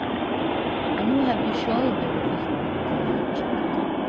men nú havi eg sjálv verið vitni til leikin